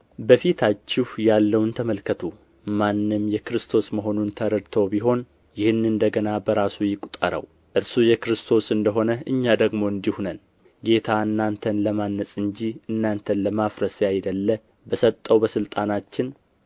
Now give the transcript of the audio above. በፊታችሁ ያለውን ተመልከቱ ማንም የክርስቶስ መሆኑን ተረድቶ ቢሆን ይህን እንደ ገና በራሱ ይቁጠረው እርሱ የክርስቶስ እንደ ሆነ እኛ ደግሞ እንዲሁ ነን ጌታ እናንተን ለማነጽ እንጂ እናንተን ለማፍረስ ያይደለ በሰጠው በሥልጣናችን